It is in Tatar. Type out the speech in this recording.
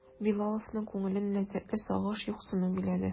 Билаловның күңелен ләззәтле сагыш, юксыну биләде.